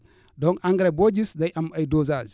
donc engrais boo gis day am ay dosages